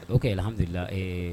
O kɛlen hamidulila ɛɛ